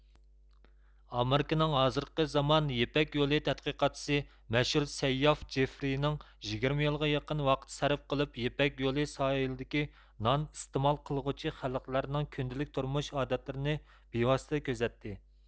ئامېرىكىنىڭ ھازىرقى زامان يىپەك يولى تەتقىقاتچىسى مەشھۇر سەيياھ جېفرىينىڭ يىگىرمە يىلغا يېقىن ۋاقىت سەرپ قىلىپ يىپەك يولى ساھىلىدىكى نان ئىستېمال قىلغۇچى خەلقلەرنىڭ كۈندىلىك تۇرمۇش ئادەتلىرىنى بىۋاسىتە كۆزەتتى